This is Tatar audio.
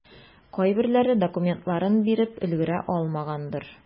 Кайберләре документларын биреп өлгерә алмагандыр.